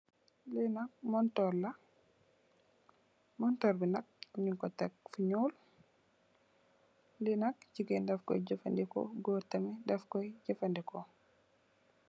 li nak montorr la motorr bi nak nyungko tek fu nyuul li nak gigain daff koi jefandeko gorr tamit daff koi jefandeko.